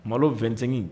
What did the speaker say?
Malot